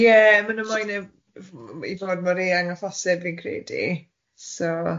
Ie ma' nhw moyn e i fod mor eang â phosib fi'n credu so.